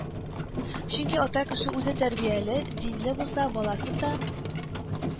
Чөнки ата кеше үзе тәрбияле, динле булса, баласын да